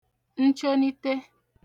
nchonite